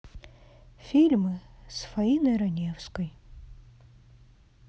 фильмы с фаиной раневской